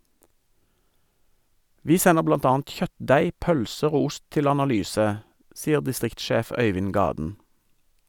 - Vi sender blant annet kjøttdeig, pølser og ost til analyse, sier distriktssjef Øivind Gaden.